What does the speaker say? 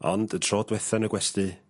Dnd y tro dwetha yn y gwesty